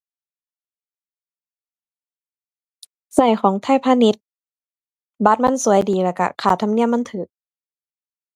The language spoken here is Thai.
ใช้ของไทยพาณิชย์ บัตรมันสวยดีแล้วใช้ค่าธรรมเนียมมันใช้